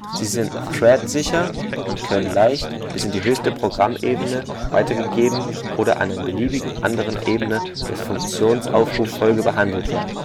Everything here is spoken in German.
Sie sind Thread-sicher und können leicht bis in die höchste Programmebene weitergegeben oder an einer beliebigen anderen Ebene der Funktionsaufruffolge behandelt werden